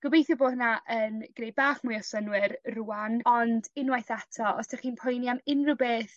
Gobeithio bo' hwnna yn gneu' bach mwy o synnwyr rŵan ond unwaith ato os 'dych chi'n poeni am unryw beth